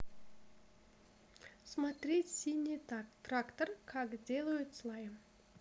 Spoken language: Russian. смотреть синий трактор как делают слайм